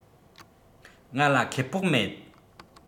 ང ལ ཁེ སྤོགས མེད